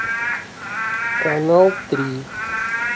канал три